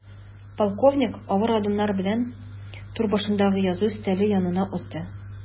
Полковник авыр адымнар белән түр башындагы язу өстәле янына узды.